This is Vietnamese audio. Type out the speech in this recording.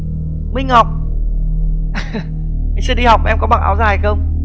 minh ngọc ngày xưa đi học em có mặc áo dài không